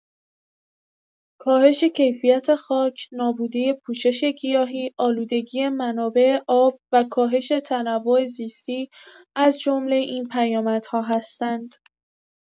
کاهش کیفیت خاک، نابودی پوشش گیاهی، آلودگی منابع آب و کاهش تنوع زیستی از جمله این پیامدها هستند.